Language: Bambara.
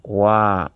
Wa